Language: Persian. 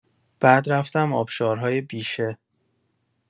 بعد رفتم آبشارهای بیشه.